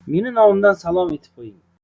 meni nomimdan salom etib q'yin